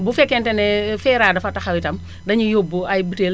bu fekkente ne Feera dafa taxaw itam dañuy yóbbu ay butéel